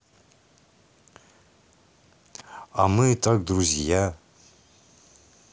а мы так друзья